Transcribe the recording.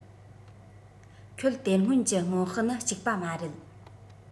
ཁྱོད དེ སྔོན གྱི སྔོན དཔག ནི གཅིག པ མ རེད